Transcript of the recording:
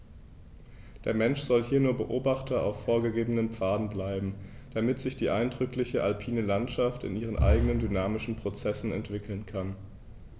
Der Mensch soll hier nur Beobachter auf vorgegebenen Pfaden bleiben, damit sich die eindrückliche alpine Landschaft in ihren eigenen dynamischen Prozessen entwickeln kann.